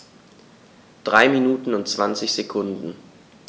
3 Minuten und 20 Sekunden